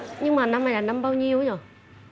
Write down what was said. nhưng mà năm nay là năm bao nhiêu í nhở